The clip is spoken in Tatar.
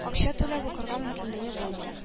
Акча түләп укырга мөмкинлеге булмый.